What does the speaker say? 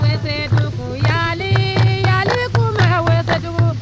wesedugu yali yali kun bɛ wesedugu